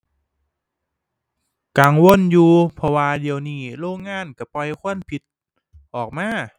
กังวลอยู่ เพราะว่าเดี๋ยวนี้โรงงานก็ปล่อยควันพิษออกมา